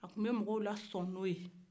a tun bɛ mɔgɔw la sɔn n'o ye